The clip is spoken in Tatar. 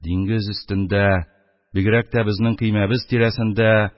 Диңгез өстендә, бигрәк тә безнең көймәбез тирәсендә